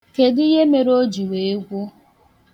Kedu ihe mere o ji wee gwu?